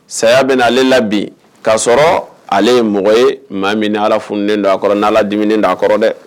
Saya bɛ n'ale la bi kasɔrɔ ale ye mɔgɔ ye maa min ni Ala fununen don a kɔrɔ n'Ala diminen don a kɔrɔ dɛ